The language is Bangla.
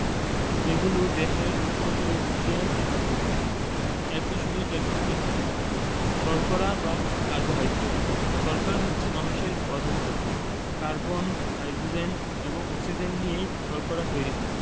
যেগুলো দেহের রোগ প্রতিরোধে সাহায্য করে ১.১.১ শর্করা বা কার্বোহাইড্রেট শর্করা হচ্ছে মানুষের প্রধান খাদ্য কার্বন হাইড্রোজেন এবং অক্সিজেন নিয়ে শর্করা তৈরি হয়